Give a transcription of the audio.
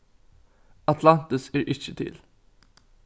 atlantis er ikki til